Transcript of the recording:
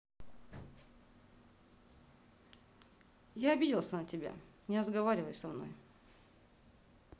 я обиделся на тебя не разговаривай со мной